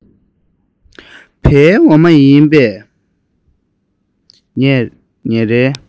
བའི འོ མ ཡིན པས ངས རའི